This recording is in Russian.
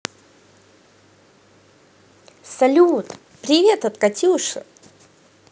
салют привет от катюши